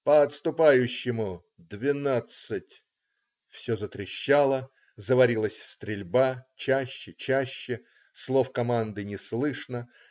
"По отступающему - двенадцать!" Все затрещало. Заварилась стрельба. Чаще, чаще. Слов команды не слышно.